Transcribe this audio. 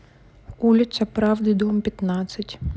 улица правды дом пятнадцать